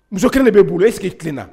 Muso kelen de bɛ e bolo est ce que i tilenna